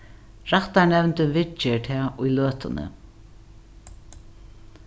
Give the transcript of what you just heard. rættarnevndin viðger tað í løtuni